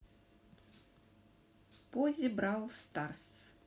поззи бравл старс